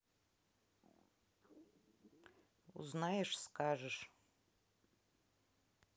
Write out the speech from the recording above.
узнаешь скажешь